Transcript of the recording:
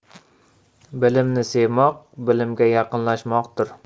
bilimni sevmoq bilimga yaqinlashmoqdir